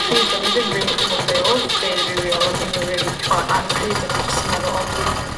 pryd do'n i ddim rili gwbod be' odd deurywiol, o'n i'm yn rili gybo ar y pryd o'n i jyst yn meddwl o dwi'n